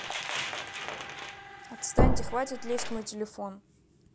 отстаньте хватит лезть мой телефон